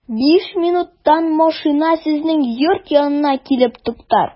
Биш минуттан машина сезнең йорт янына килеп туктар.